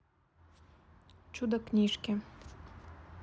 чудо книжки